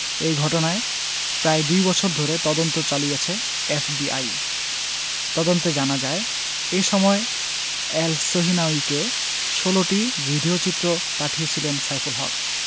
এ ঘটনায় প্রায় দুই বছর ধরে তদন্ত চালিয়েছে এফবিআই তদন্তে জানা যায় এ সময় এলসহিনাউয়িকে ১৬টি ভিডিওচিত্র পাঠিয়েছিলেন সাইফুল হক